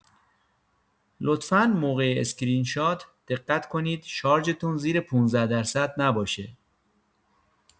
لطفا موقع اسکرین‌شات دقت کنید شارژتون زیر ۱۵٪ نباشه.